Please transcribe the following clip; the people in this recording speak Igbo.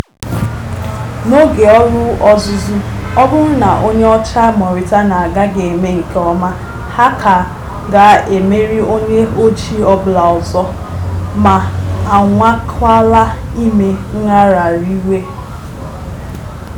N'oge ọrụ ọzụzụ, ọ bụrụ na onye ọcha Mauritania agaghị eme nke ọma, ha ka ga-emeri onye ojii ọ bụla ọzọ. Ma anwakwala ime ngagharịiwe ...